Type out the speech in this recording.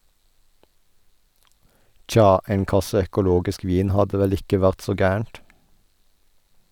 - Tja, en kasse økologisk vin hadde vel ikke vært så gærent.